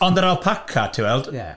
Ond yr alpaca, ti'n weld... Ie...